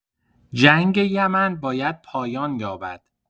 جنگ یمن باید پایان یابد.